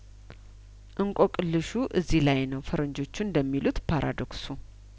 እንቆቅልሹ እዚህ ላይ ነው ፈረንጆቹ እንደሚሉት ፓራዶክሱ